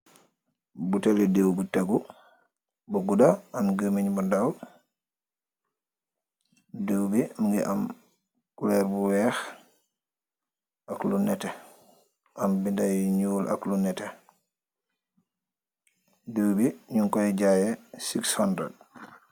Botale dew bu tegu bu guda aam geemen bu ndaw dew bi mogi aam colur bu weex ak lu neeteh aam benda yu nuul ak lu neteh dew bi nyu koi jayeh six hundred.